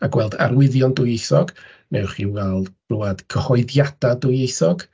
A gweld arwyddion dwyieithog, wnewch chi weld, clywed cyhoeddiadau dwyieithog.